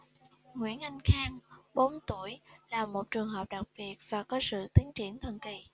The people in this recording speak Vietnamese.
nguyễn an khang bốn tuổi là một trường hợp đặc biệt và có sự tiến triển thần kỳ